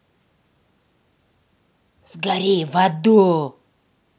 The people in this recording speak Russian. сгори в аду